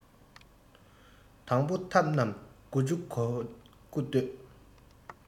དང པོ ཐབས རྣམས དགུ བཅུ གོ དགུ གཏོད